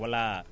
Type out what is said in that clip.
voilà